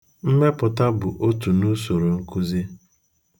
Mmepụta bụ otu n'usoro nkuzi.